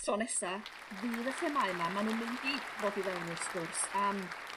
tro nesa fydd y themâu 'ma ma' nw'n mynd i ddod i fewn i'r sgwrs am